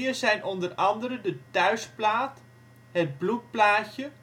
zijn onder andere de " thuisplaat ", het " bloedplaatje